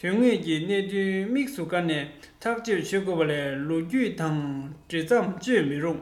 དོན དངོས ཀྱི གནད དོན དམིགས སུ བཀར ནས ཐག གཅོད བྱེད དགོས པ ལས ལོ རྒྱུས དང འ བྲེལ མཚམས གཅོད མི རུང